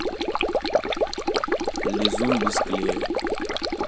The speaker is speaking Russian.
лизун без клея